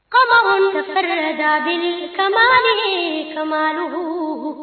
Kabakuntigɛ da ka min madugu